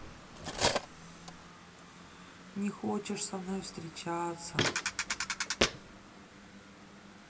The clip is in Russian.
не хочешь со мной встречаться